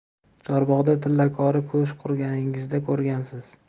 chorbog'da tillakori ko'shk qurganingizda ko'rgansiz